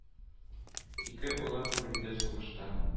Ике улым үлде сугышта,